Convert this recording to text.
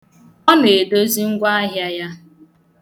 Ọ na-edozi ngwaahịa ya.